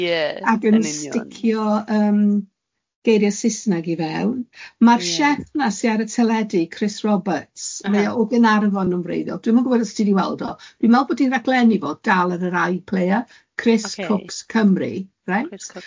Ie, ag yn union ac yn sticio yym geiriau Saesneg i fewn. Ie. Ma'r chef yna sy ar y teledu, Chris Roberts, mae o o Gaernarfon yn wreiddiol. Dwi'm yn gwbod os ti di weld o. Dwi'n meddwl bod hi'n rhaglenni fo dal yn yr I player, Chris... Ocê. Cooks Cymru, reit? Chris Cooks Cymru.